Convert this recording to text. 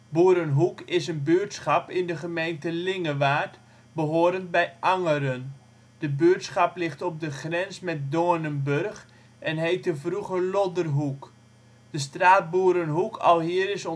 Boerenhoek is een buurtschap in de gemeente Lingewaard, behorend bij Angeren. De buurtschap ligt op de grens met Doornenburg en heette vroeger Lodderhoek. De straat Boerenhoek alhier is